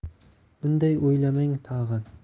unday o'ylamang tag'in